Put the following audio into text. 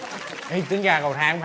ây tính ra cầu thang